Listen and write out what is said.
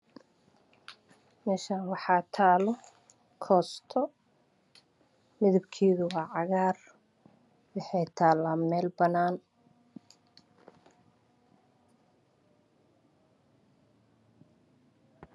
Meeshaan waxaa taalo koosto cagaaran waxay taalaa meel banaan ah.